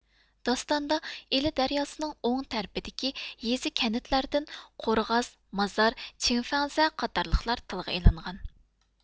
داستاندا ئىلى دەرياسىنىڭ ئوڭ تەرىپىدىكى يېزا كەنتلەردىن قورغاس مازار چىڭفەڭزە قاتارلىقلار تىلغا ئېلىنغان